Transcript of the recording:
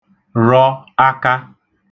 rọ aka